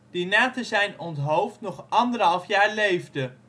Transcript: die na te zijn onthoofd nog anderhalf jaar leefde